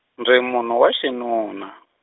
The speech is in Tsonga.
ndzi munhu wa xinuna.